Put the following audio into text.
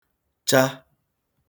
cha